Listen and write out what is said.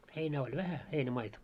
heinää oli vähän heinämaita